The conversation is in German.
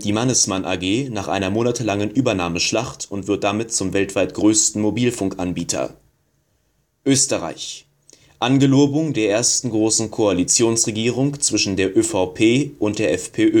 Mannesmann AG nach einer monatelangen Übernahmeschlacht und wird damit zum weltweit größten Mobilfunk-Anbieter. Österreich: Angelobung der ersten großen Koalitionsregierung zwischen der ÖVP und der FPÖ